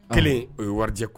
Kelen o ye warijɛ